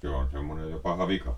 se on semmoinen jo paha vika